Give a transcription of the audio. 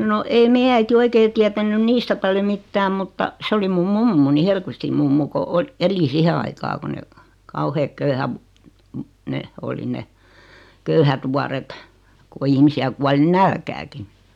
no ei meidän äiti oikein tiennyt niistä paljon mitään mutta se oli minun mummoni Hellqvistin mummo kun - eli siihen aikaa kun ne kauheat - ne oli ne köyhät vuodet kun ihmisiä kuoli nälkäänkin